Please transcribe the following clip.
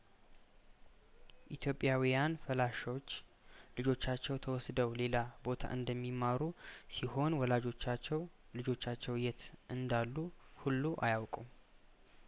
ኢትዮጵያውያን ፈላ ሾች ልጆቻቸው ተወስደው ሌላ ቦታ እንደሚማሩ ሲሆን ወላጆቻቸው ልጆቻቸው የት እንዳሉ ሁሉ አያውቁም